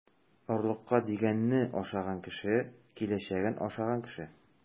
Орлыкка дигәнне ашаган кеше - киләчәген ашаган кеше.